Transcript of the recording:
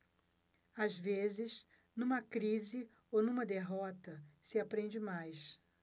às vezes numa crise ou numa derrota se aprende mais